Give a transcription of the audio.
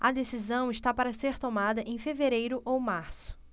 a decisão está para ser tomada em fevereiro ou março